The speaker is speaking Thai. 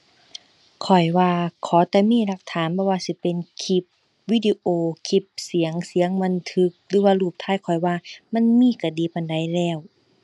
ข้อยว่าขอแต่มีหลักฐาน บ่ว่าสิเป็นคลิปวิดีโอ คลิปเสียง เสียงบันทึก หรือว่ารูปถ่าย ข้อยว่ามันมีก็ดีปานใดแล้ว